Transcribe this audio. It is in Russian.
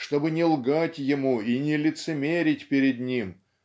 чтобы не лгать ему и не лицемерить перед ним